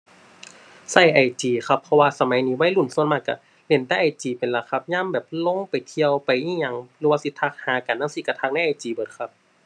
ใช้ IG ครับ เพราะว่าสมัยนี้วัยรุ่นส่วนมากใช้เล่นแต่ IG เป็นหลักครับ ยามแบบลงไปเที่ยว ไปอิหยัง หรือว่าสิทักหากันจั่งซี้ใช้ทักใน IG เบิดครับ